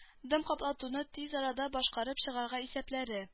Дым каплатуны тиз арада башкарып чыгарга исәпләре